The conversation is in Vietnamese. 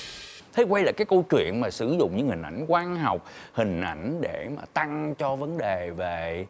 thấy quay lại các câu chuyện mà sử dụng những hình ảnh quang học hình ảnh để tặng cho vấn đề về